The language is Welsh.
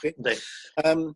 'Wch chi? Yndi. Yym